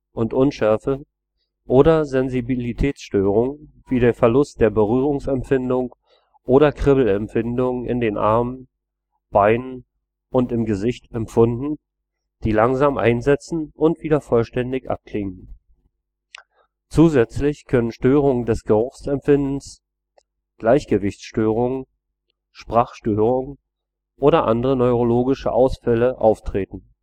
und Unschärfe, oder Sensibilitätsstörungen, wie der Verlust der Berührungsempfindung oder Kribbelempfindungen in den Armen, Beinen und im Gesicht, empfunden, die langsam einsetzen und wieder vollständig abklingen. Zusätzlich können Störungen des Geruchsempfindens, Gleichgewichtsstörungen, Sprachstörungen oder andere neurologische Ausfälle auftreten